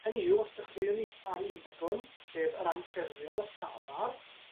Hynny yw os dechreuwn ni ar un begwn, sef yr anffurfiol, y llafar,